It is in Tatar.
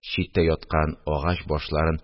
Читтә яткан агач башларын